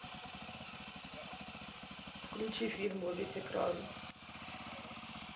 включи фильм во весь экран